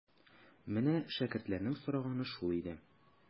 Менә шәкертләрнең сораганы шул иде.